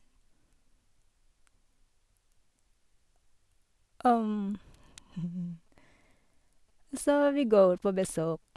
Og så vi går på besøk.